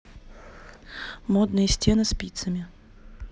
модные стены спицами